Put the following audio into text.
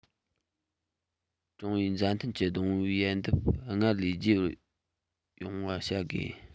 ཀྲུང ཨུའི མཛའ མཐུན གྱི སྡོང པོའི ཡལ འདབ སྔར ལས རྒྱས པ ཡོང བ བྱ དགོས